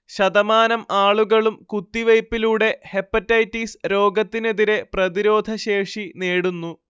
ശതമാനം ആളുകളും കുത്തിവെയ്പിലൂടെ ഹെപ്പറ്റൈറ്റിസ് രോഗത്തിനെതിരെ പ്രതിരോധശേഷി നേടുന്നു